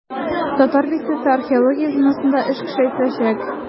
"татар бистәсе" археология зонасында эш көчәйтеләчәк.